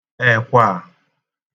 ẹkwà